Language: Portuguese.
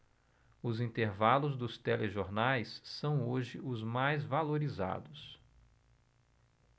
os intervalos dos telejornais são hoje os mais valorizados